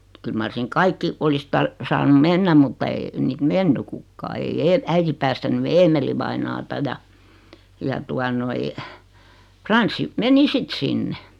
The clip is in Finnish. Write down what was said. kyllä mar sinne kaikki olisi - saanut mennä mutta ei niitä mennyt kukaan ei - äiti päästänyt Eemeli-vainajaa ja ja tuota noin Frans meni sitten sinne